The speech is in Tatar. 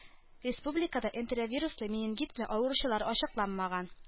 Республикада энтеровируслы менингит белән авыручылар ачыкланмаган.